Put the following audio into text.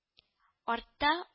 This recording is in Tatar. Артта